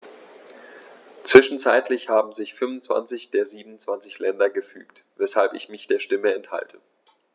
Zwischenzeitlich haben sich 25 der 27 Länder gefügt, weshalb ich mich der Stimme enthalte.